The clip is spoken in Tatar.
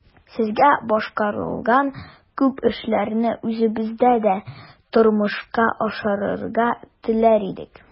Сездә башкарылган күп эшләрне үзебездә дә тормышка ашырырга теләр идек.